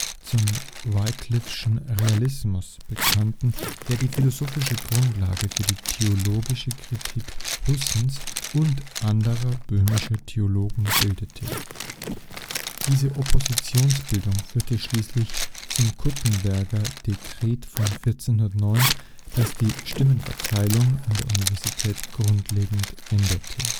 zum Wyclifschen Realismus bekannten, der die philosophische Grundlage für die theologische Kritik Hussens und anderer böhmischer Theologen bildete. Diese Oppositionsbildung führte schließlich zum Kuttenberger Dekret von 1409, das die Stimmenverteilung an der Universität grundlegend änderte